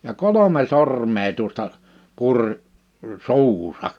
ja kolme sormea tuosta puri suuhunsa